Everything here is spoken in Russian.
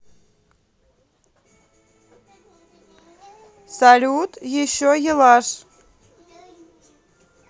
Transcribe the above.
салют еще елаш